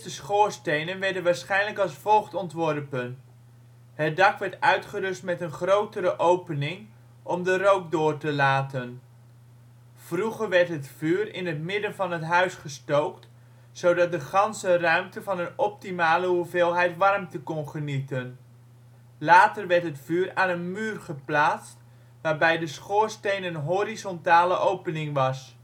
schoorstenen werden waarschijnlijk als volgt ontworpen: het dak werd uitgerust met een grotere opening om de rook door te laten. Vroeger werd het vuur in het midden van het huis gestookt zodat de ganse ruimte van een optimale hoeveelheid warmte kon genieten. Later werd het vuur aan een muur geplaatst waarbij de schoorsteen een horizontale opening was